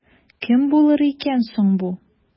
Кем булыр икән соң бу?